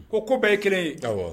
O Ko bɛɛ ye kelen ye ,awɔ.